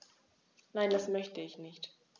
Nein, das möchte ich nicht.